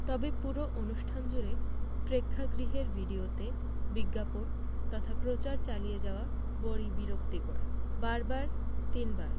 তবে পুরো অনুষ্ঠান জুড়ে প্রেক্ষাগৃহের ভিডিওতে বিজ্ঞাপন তথা প্রচার চালিয়ে যাওয়া বড়ি বিরক্তিকর বার বার তিন বার